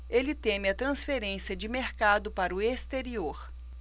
ele teme a transferência de mercado para o exterior